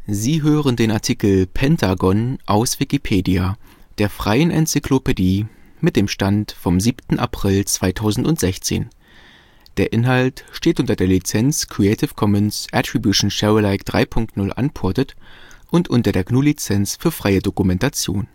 Sie hören den Artikel Pentagon, aus Wikipedia, der freien Enzyklopädie. Mit dem Stand vom Der Inhalt steht unter der Lizenz Creative Commons Attribution Share Alike 3 Punkt 0 Unported und unter der GNU Lizenz für freie Dokumentation